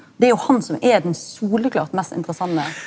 det er jo han som er den soleklart mest interessante .